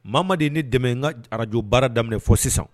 Maa o maa de ye ne dɛmɛ, n ka radio baara daminɛ fɔ sisan